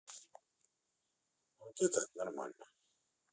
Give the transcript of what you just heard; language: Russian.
вот это нормально